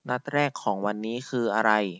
นัดแรกของวันนี้นี้คืออะไร